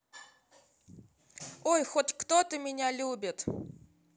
ой хоть кто то меня любит